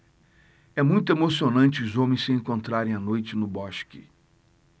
é muito emocionante os homens se encontrarem à noite no bosque